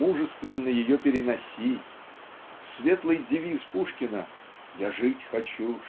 мужественно ее переносить светлый девиз Пушкина "я жить хочу